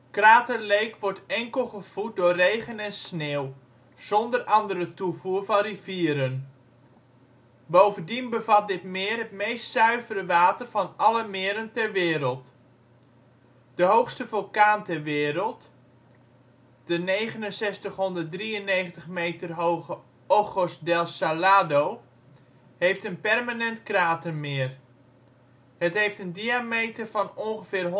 Crater Lake wordt enkel gevoed door regen en sneeuw, zonder andere toevoer van rivieren. Bovendien bevat dit meer het meest zuivere water van alle meren ter wereld. De hoogste vulkaan ter wereld, de 6893 meter hoge Ojos del Salado, heeft een permanent kratermeer. Het heeft een diameter van ongeveer